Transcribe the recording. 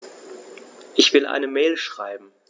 Ich will eine Mail schreiben.